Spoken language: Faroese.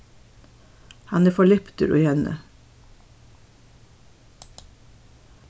hann er forliptur í henni